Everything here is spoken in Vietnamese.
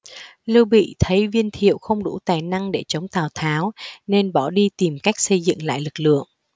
lưu bị thấy viên thiệu không đủ tài năng để chống tào tháo nên bỏ đi tìm cách xây dựng lại lực lượng